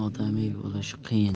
odamiy bo'lish qiyin